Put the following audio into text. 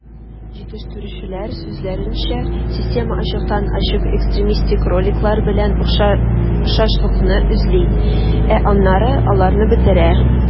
Җитештерүчеләр сүзләренчә, система ачыктан-ачык экстремистик роликлар белән охшашлыкны эзли, ә аннары аларны бетерә.